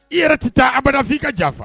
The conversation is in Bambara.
I yɛrɛ tɛ taa abada f'i ka janfa